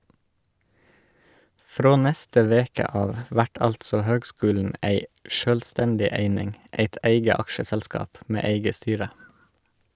Frå neste veke av vert altså høgskulen ei sjølvstendig eining, eit eige aksjeselskap med eige styre.